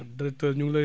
directeur ñu ngi lay